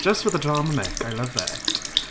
Just for the drama Mick. I love it.